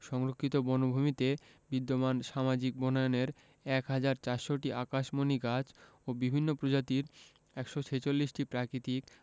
সংরক্ষিত বনভূমিতে বিদ্যমান সামাজিক বনায়নের ১ হাজার ৪০০টি আকাশমণি গাছ ও বিভিন্ন প্রজাতির ১৪৬টি প্রাকৃতিক